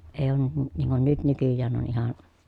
ei ole - niin kuin nyt nykyään on ihan